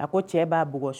A ko cɛ b'a bugɔ